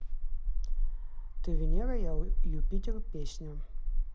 ты венера я юпитер песня